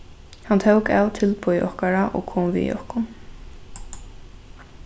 hann tók av tilboði okkara og kom við okkum